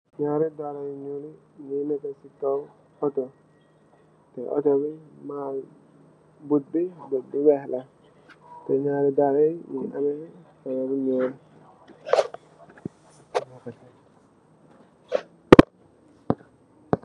Nyarii dalaa yuu nyoul yii, nyungii sii kaww auto, teh auto bii bout bu wehkla, teh nyarii dalayii nyungii ameh colour bu nyoul.